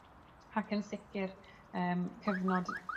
ac yn sicir yym cyfnod